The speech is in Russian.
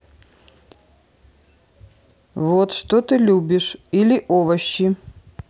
вот что ты любишь или овощи